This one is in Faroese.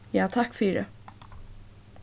ja takk fyri